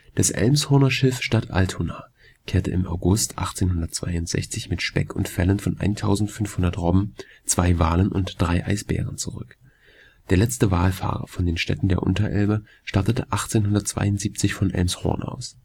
Das Elmshorner Schiff „ Stadt Altona “kehrte im August 1862 mit Speck und Fellen von 1500 Robben, 2 Walen und 3 Eisbären zurück. Der letzte Walfahrer von den Städten der Unterelbe startete 1872 von Elmshorn aus